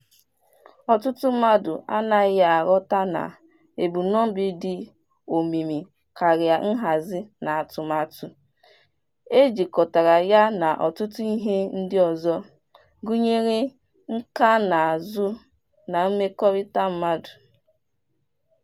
Ọtụtụ mmadụ anaghị aghọta na ebumnobi dị omimi karịa nhazị na atụmatụ - e jịkọtara ya na ọtụtụ ihe ndị ọzọ, gụnyere nkànaụzụ na mmekọrịta mmadụ.